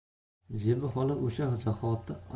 zebi xola o'sha zahoti